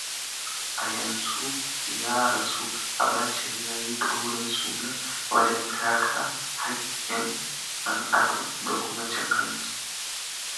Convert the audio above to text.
A yanzu ya rasu, Abacha ya yi ƙaurin suna wajen take haƙƙin ɗan'adam da kuma cin hanci.